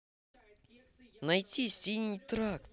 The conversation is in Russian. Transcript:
найти синий трактор